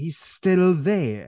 He's still there.